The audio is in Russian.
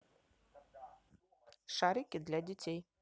шарики для детей